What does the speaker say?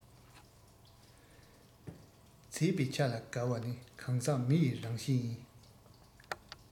མཛེས པའི ཆ ལ དགའ བ ནི གང ཟག མི ཡི རང གཤིས ཡིན